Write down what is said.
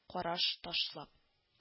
Караш ташлап